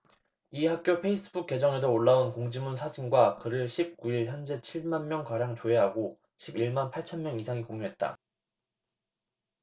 이 학교 페이스북 계정에도 올라온 공지문 사진과 글을 십 구 일 현재 칠 만 명가량 조회하고 십 일 만 팔 천 명 이상이 공유했다